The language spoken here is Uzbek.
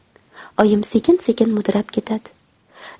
oyim sekin sekin mudrab ketadi